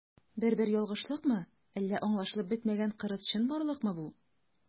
Бер-бер ялгышлыкмы, әллә аңлашылып бетмәгән кырыс чынбарлыкмы бу?